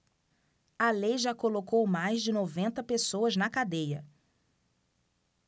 a lei já colocou mais de noventa pessoas na cadeia